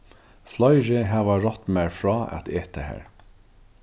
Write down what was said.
fleiri hava rátt mær frá at eta har